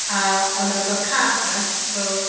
A oedd 'na fel cath fach, fel,